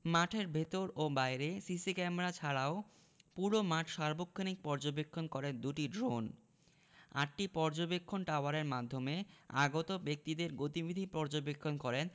মাঠের ভেতর ও বাইরে সিসি ক্যামেরা ছাড়াও পুরো মাঠ সার্বক্ষণিক পর্যবেক্ষণ করে দুটি ড্রোন আটটি পর্যবেক্ষণ টাওয়ারের মাধ্যমে আগত ব্যক্তিদের গতিবিধি পর্যবেক্ষণ করেন